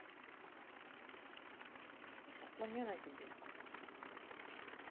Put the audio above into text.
асланяна тебе